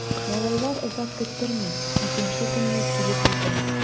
Малайлар озак көттерми— икенче көнне үк килеп тә җитә.